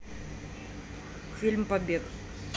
фильм побег